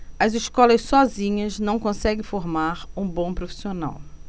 as escolas sozinhas não conseguem formar um bom profissional